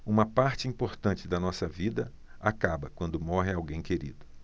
uma parte importante da nossa vida acaba quando morre alguém querido